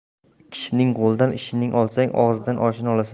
kishining qo'lidan ishini olsang og'zidan oshini olasan